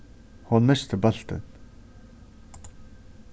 hon misti bóltin